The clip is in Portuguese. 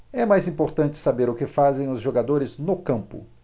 é mais importante saber o que fazem os jogadores no campo